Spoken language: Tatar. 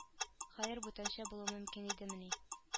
Хәер бүтәнчә булуы мөмкин идемени